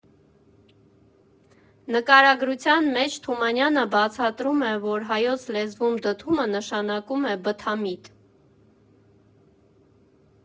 Նկարագրության մեջ Թումանյանը բացատրում է, որ հայոց լեզվում «դդումը» նշանակում է «բթամիտ»։